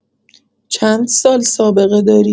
چند سال سابقه‌داری؟